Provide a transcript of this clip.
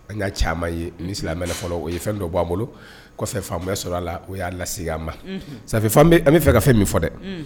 An ka ca ye ni silamɛ fɔlɔ o ye fɛn dɔ b' aan bolo fan sɔrɔ a o y'a lasigi an ma an bɛ fɛ ka fɛn min fɔ dɛ